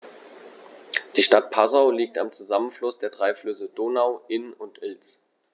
Die Stadt Passau liegt am Zusammenfluss der drei Flüsse Donau, Inn und Ilz.